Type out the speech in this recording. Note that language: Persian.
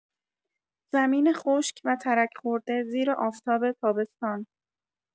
زمین خشک و ترک‌خورده زیر آفتاب تابستان